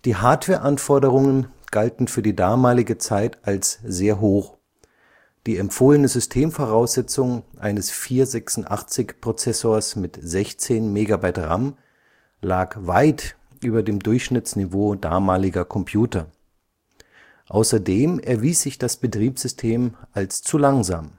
Hardwareanforderungen galten für die damalige Zeit als sehr hoch; die empfohlene Systemvoraussetzung eines 486-Prozessors mit 16 MB RAM lag weit über dem Durchschnittsniveau damaliger Computer, außerdem erwies sich das Betriebssystem als zu langsam